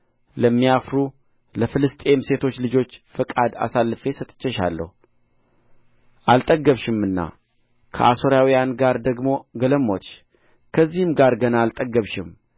ለሚያፍሩ ለፍልስጥኤም ሴቶች ልጆች ፈቃድ አሳልፌ ሰጥቼሻለሁ አልጠገብሽምና ከአሦራውያን ጋር ደግሞ ገለሞትሽ ከዚህም ጋር ገና አልጠገብሽም